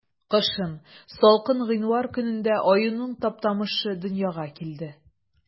Кышын, салкын гыйнвар көнендә, аюның Таптамышы дөньяга килде.